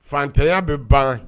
Faantanya bɛ ban